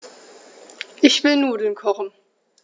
Ich will Nudeln kochen.